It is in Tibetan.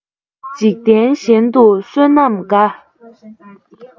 འཇིག རྟེན གཞན དུ བསོད ནམས དགའ